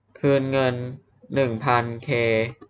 คืนเงินหนึ่งพันเค